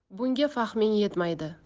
bunga fahming yetmaydi